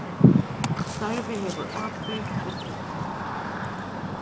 starvið hevur ábyrgd og tign